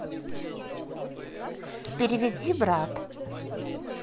переведи брат